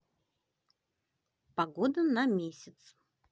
погода на месяц